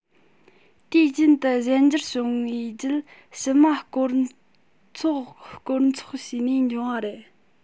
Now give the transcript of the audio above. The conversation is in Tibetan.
དུས རྒྱུན དུ གཞན འགྱུར བྱུང བའི རྒྱུད ཕྱི མ སྐོར ཚོགས སྐོར ཚོགས བྱས ནས འབྱུང བ རེད